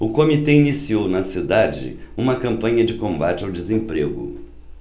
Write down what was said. o comitê iniciou na cidade uma campanha de combate ao desemprego